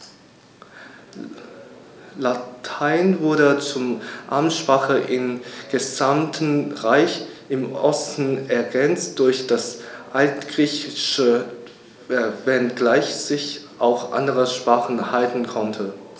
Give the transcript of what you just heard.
Latein wurde zur Amtssprache im gesamten Reich (im Osten ergänzt durch das Altgriechische), wenngleich sich auch andere Sprachen halten konnten.